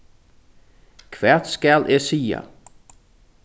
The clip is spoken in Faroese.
hvat skal eg siga